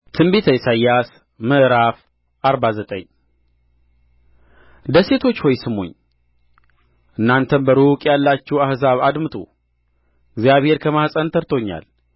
ትንቢተ ኢሳይያስ ምዕራፍ አርባ ዘጠኝ ደሴቶች ሆይ ስሙኝ እናንተም በሩቅ ያላችሁ አሕዛብ አድምጡ እግዚአብሔር ከማኅፀን ጠርቶኛል